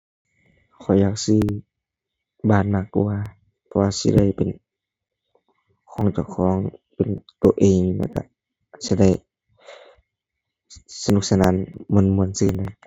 ข้อยอยากซื้อบ้านมากกว่า เพราะว่าสิได้เป็นของเจ้าของ เป็นตัวเอง แล้วก็สิได้สนุกสนาน ม่วนม่วนก็